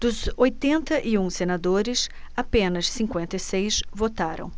dos oitenta e um senadores apenas cinquenta e seis votaram